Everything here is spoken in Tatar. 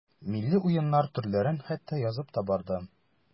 Милли уеннар төрләрен хәтта язып та барды.